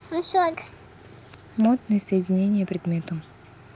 мод на соединение предметом